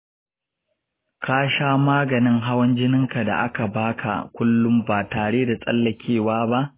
ka sha maganin hawan jinin da aka ba ka kullum ba tare da tsallakewa ba.